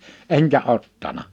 enkä ottanut